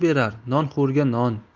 berar nonxo'rga non